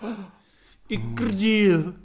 I Gaerdydd.